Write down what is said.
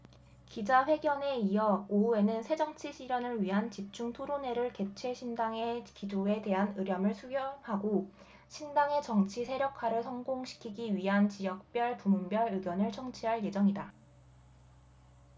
기자회견에 이어 오후에는 새정치 실현을 위한 집중 토론회를 개최 신당의 기조에 대한 의견을 수렴하고 신당의 정치 세력화를 성공시키기 위한 지역별 부문별 의견을 청취할 예정이다